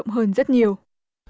hơn rất nhiều